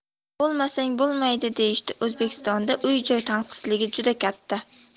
bo'lmasang bo'lmaydi deyishdio'zbekistonda uy joy tanqisligi juda katta